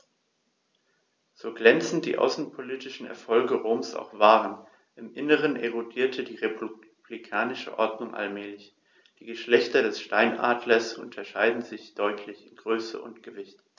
So glänzend die außenpolitischen Erfolge Roms auch waren: Im Inneren erodierte die republikanische Ordnung allmählich. Die Geschlechter des Steinadlers unterscheiden sich deutlich in Größe und Gewicht.